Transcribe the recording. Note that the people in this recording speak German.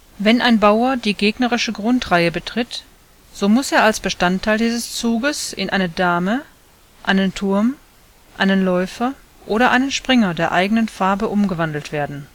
Wenn ein Bauer die gegnerische Grundreihe betritt, so muss er als Bestandteil dieses Zuges in eine Dame, einen Turm, einen Läufer oder einen Springer der eigenen Farbe umgewandelt werden